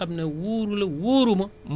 mais du ma ci dugg